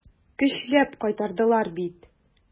Көчләп кайтардылар бит.